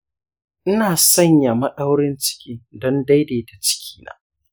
ina sanya maɗaurin ciki don daidaita cikina.